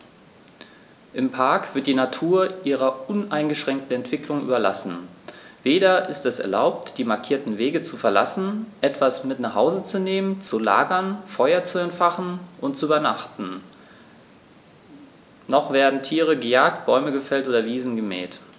Im Park wird die Natur ihrer uneingeschränkten Entwicklung überlassen; weder ist es erlaubt, die markierten Wege zu verlassen, etwas mit nach Hause zu nehmen, zu lagern, Feuer zu entfachen und zu übernachten, noch werden Tiere gejagt, Bäume gefällt oder Wiesen gemäht.